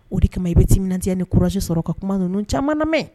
O de kama i bɛ titiya ni ksi sɔrɔ ka kuma ninnu caman namɛ